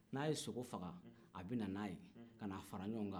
n'a ye sogo faga a bɛ nan'a ye kan'a fara ɲɔgɔn kan